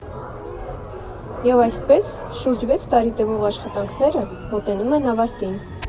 Եվ այսպես, շուրջ վեց տարի տևող աշխատանքները մոտենում են ավարտին։